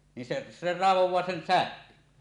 niin se se raivaa sen sähkön